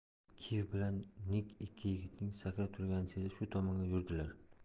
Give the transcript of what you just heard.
kiv bilan nig ikki yigitning sakrab turganini sezib shu tomonga yurdilar